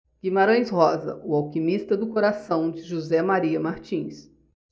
guimarães rosa o alquimista do coração de josé maria martins